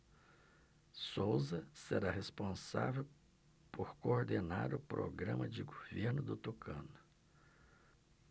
souza será responsável por coordenar o programa de governo do tucano